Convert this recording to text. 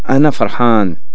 انا فرحان